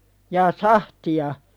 jaa sahtia